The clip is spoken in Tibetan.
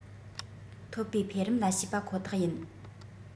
ཐོབ པའི འཕེལ རིམ ལ བྱས པ ཁོ ཐག ཡིན